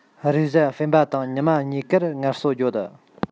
རེས གཟའ སྤེན པ དང ཉི མ གཉིས ཀར ངལ གསོ ཡོད